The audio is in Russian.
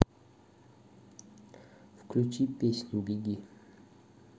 включи песню беги